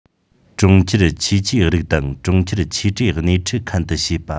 གྲོང ཁྱེར ཆེས ཆེ རིགས དང གྲོང ཁྱེར ཆེ གྲས སྣེ འཁྲིད མཁན དུ བྱེད པ